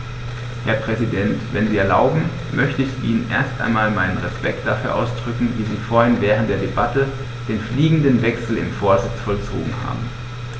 Herr Präsident, wenn Sie erlauben, möchte ich Ihnen erst einmal meinen Respekt dafür ausdrücken, wie Sie vorhin während der Debatte den fliegenden Wechsel im Vorsitz vollzogen haben.